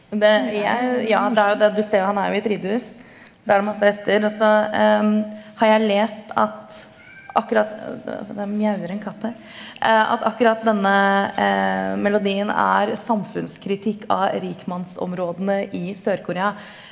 det jeg ja det er jo det du ser jo han er jo i et ridehus så er det masse hester og så har jeg lest at akkurat det mjauer en katt her at akkurat denne melodien er samfunnskritikk av rikmannsområdene i Sør-Korea.